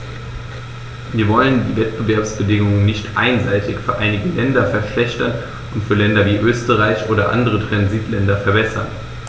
Wir wollen die Wettbewerbsbedingungen nicht einseitig für einige Länder verschlechtern und für Länder wie Österreich oder andere Transitländer verbessern.